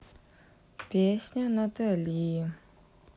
песня натали